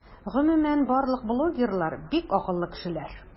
Гомумән барлык блогерлар - бик акыллы кешеләр.